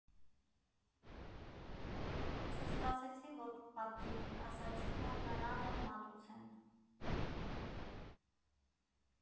Չսպասեցի, որ պատվիրի, ասացի, որ նրան էլ մատուցեն։